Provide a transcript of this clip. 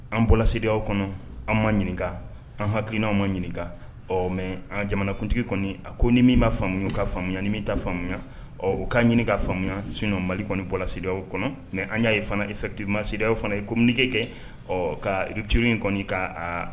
An bɔrasidi kɔnɔ an ma ɲininka an hakilikiinaan ma ɲininka ɔ mɛ an jamanakuntigi kɔni ko ni min ma faamuyamu ka faamuya ni min ta faamuya ɔ o k'an ɲini ka faamuyamu sin mali kɔni bɔrala kɔnɔ mɛ an y'a ye fana i fɛtki masiw fana ye kobiligekɛ ɔ kaurutiriur in kɔni ka